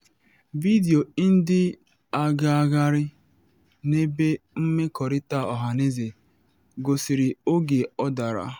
Vidio ndị na agagharị n’ebe mmerịkọta ọhaneze gosiri oge ọ dara.